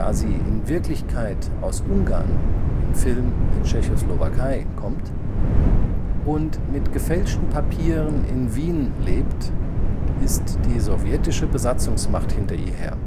sie in Wirklichkeit aus Ungarn (im Film: Tschechoslowakei) kommt und mit gefälschten Papieren in Wien lebt, ist die sowjetische Besatzungsmacht hinter ihr her